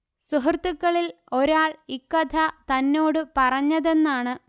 സുഹൃത്തുക്കളിൽ ഒരാള് ഇക്കഥ തന്നോടു പറഞ്ഞതെന്നാണ്